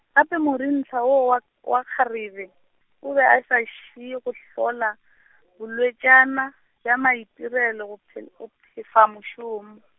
gape morentha woo, wa, wa kgarebe, o be a sa šie go hlola , bolwetšana, bja maitirelo go phel-, go phefa mošomo.